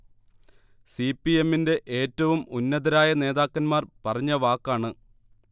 C. P. എ മ്മിന്റെ ഏറ്റവും ഉന്നതരായ നേതാക്കന്മാർ പറഞ്ഞ വാക്കാണ്